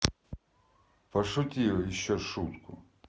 пошути еще шутку